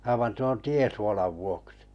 aivan tuon tiesuolan vuoksi